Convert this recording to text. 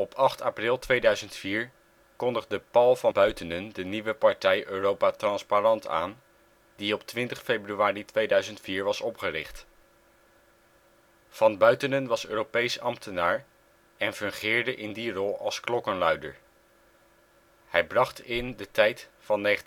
8 april 2004 kondigde Paul van Buitenen de nieuwe partij Europa Transparant aan, die op 20 februari 2004 was opgericht. Van Buitenen was Europees ambtenaar en fungeerde in die rol als klokkenluider. Hij bracht in 1998-1999